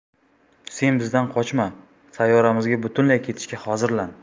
sen bizdan qochma sayyoramizga butunlay ketishga hozirlan